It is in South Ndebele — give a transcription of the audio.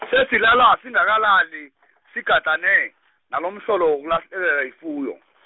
sezilala zingakalali. zigadane, nalomhlolo wokulahlekelwa yifuyo.